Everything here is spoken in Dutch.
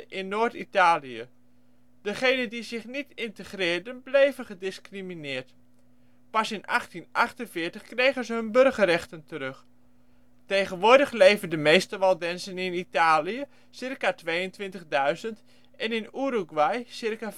in Noord-Italië. Degenen die zich niet integreerden bleven gediscrimineerd. Pas in 1848 kregen ze hun burgerrechten terug. Tegenwoordig leven de meeste Waldenzen in Italië (circa 22.000) en in Uruguay (circa 15.000